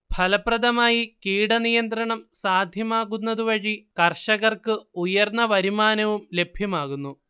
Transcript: ഫലപ്രദമായി കീടനിയന്ത്രണം സാധ്യമാകുന്നതുവഴി കർഷകർക്ക് ഉയർന്ന വരുമാനവും ലഭ്യമാകുന്നു